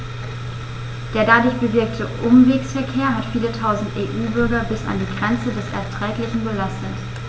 Der dadurch bewirkte Umwegsverkehr hat viele Tausend EU-Bürger bis an die Grenze des Erträglichen belastet.